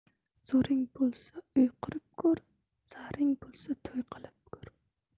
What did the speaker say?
zo'ring bo'lsa uy qurib ko'r zaring bo'lsa to'y qilib ko'r